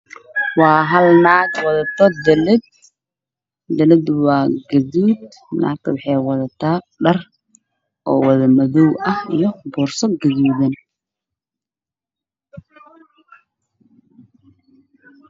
Waa naag ka socoto oo dallad wadata guduud ah darbiyada waa midow iyo gudid waana caddaan